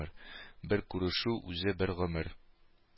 Бер күрешү үзе бер гомер.